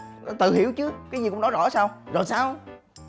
tự hiểu chứ cái gì cũng nói rõ sao rồi sao